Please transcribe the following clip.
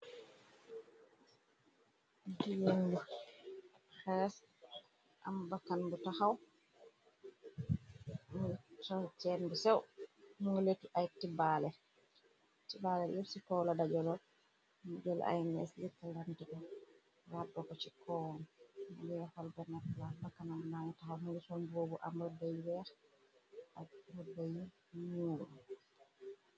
Gien gi xees am bakkan bu taxaw mitraten bi sew munga leetu ay bci baale yer ci koola dajolol mu jëlo ay nees li talantiko rabo ko ci koon mleexol bennebbax bakkanab naañu taxaw mungison boobu am rodde yeex ak rodde yi ñuu.